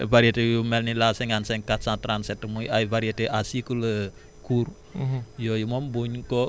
bu dee gerte gi ay var variétés yu mel ni la 55 437 muy ay variétés à cycle court